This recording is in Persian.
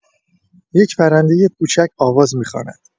یک پرندۀ کوچک آواز می‌خواند.